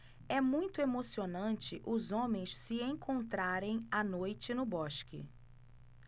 é muito emocionante os homens se encontrarem à noite no bosque